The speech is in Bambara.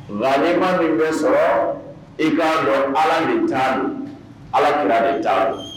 Nka ne ma min bɛ sɔrɔ i k'a bɔ ala bɛ taa ala kirara bɛ taa